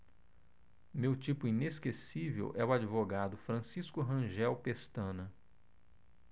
meu tipo inesquecível é o advogado francisco rangel pestana